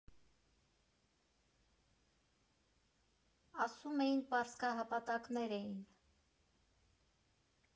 Ասում էին՝ պարսկահպատակներ էին։